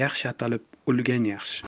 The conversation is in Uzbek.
yaxshi atalib o'lgan yaxshi